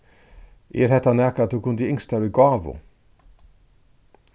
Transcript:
er hetta nakað tú kundi ynskt tær í gávu